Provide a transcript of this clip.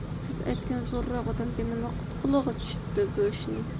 siz aytgan zo'rroq odamga nima qutquligi tushibdi bu ishning